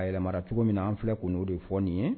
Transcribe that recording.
A yɛlɛmanara cogo min na an filɛ ko no de fɔ nin ye.